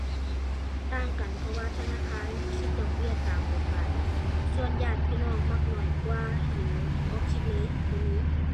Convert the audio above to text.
ต่างกันเพราะว่าธนาคารคิดดอกเบี้ยตามกฏหมาย ส่วนญาติพี่น้องมักน้อยกว่าหรือบ่คิดเลยก็มี